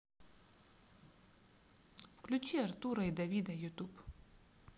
включи артура и давида ютуб